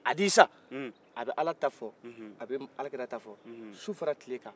hadhisa a bɛ ala ta fɔ a bɛ alakira ta fɔ su fara tile kan